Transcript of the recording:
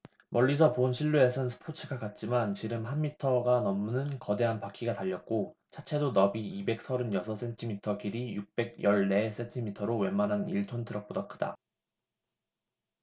멀리서 본 실루엣은 스포츠카 같지만 지름 한 미터가 넘는 거대한 바퀴가 달렸고 차체도 너비 이백 서른 여섯 센티미터 길이 육백 열 네 센티미터로 웬만한 일 톤 트럭보다 크다